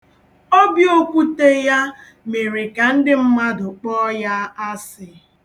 Obi okwute ya mere ka ndị mmadụ kpọọ ya asị.